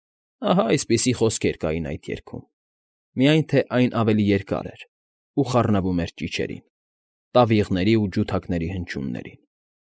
Ահա այսպիսի խոսքեր կային այդ երգում, միայն թե այն ավելի երկար էր ու խառնվում էր ճիչերին, տավիղների ու ջութակների հնչյուններին։